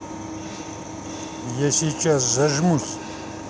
я сейчас зажмусь